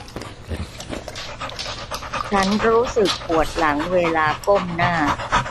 ฉันรู้สึกปวดหลังเวลาก้มหน้า